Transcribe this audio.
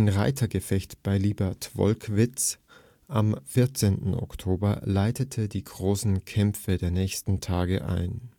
Reitergefecht bei Liebertwolkwitz am 14. Oktober leitete die großen Kämpfe der nächsten Tage ein